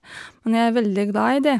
Men jeg er veldig glad i det.